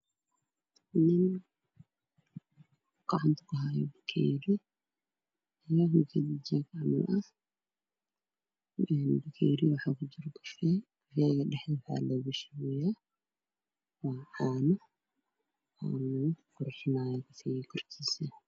Waa nin oo shubaayo kafee oo ku shubhayo bakari midabkiis yahay caddaan muxuu wataa dhar madow